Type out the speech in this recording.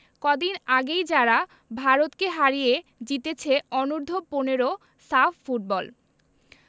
কদিন আগেই যারা ভারতকে হারিয়ে জিতেছে অনূর্ধ্ব ১৫ সাফ ফুটবল